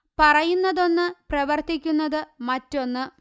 പറയുന്നതൊന്ന് പ്രവർത്തിക്കുന്നതു മറ്റൊന്ന്